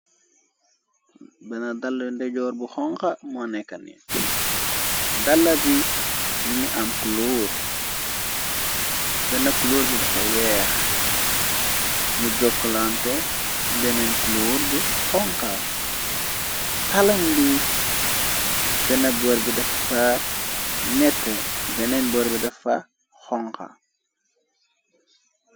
Bena dal ndejoor bu xonga moo nekka ni dala bi minga am kuloor benn. Kulóor bi dafa weex mu jokklante beneen culóor bu xonga, Talan bi benn bor bi dafa nette beneen bor bi dafa xonga.